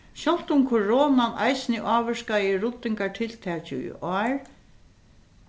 sjálvt um koronan eisini ávirkaði ruddingartiltakið í ár